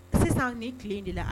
Sisan ni tilen de la